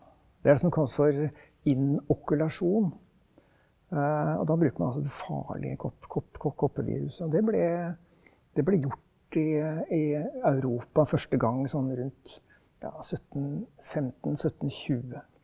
det er det som kalles for inokulasjon, og da bruker man altså det farlige koppeviruset og det ble det ble gjort i i Europa første gang sånn rundt ja 1715 syttentjue.